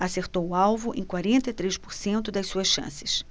acertou o alvo em quarenta e três por cento das suas chances